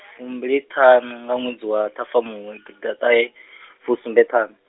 fumbili ṱhanu nga ṅwedzi wa Ṱhafamuhwe gidiḓaṱahefusumbeṱhanu.